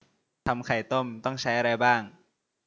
ทำไข่ต้มต้องใช้อะไรบ้าง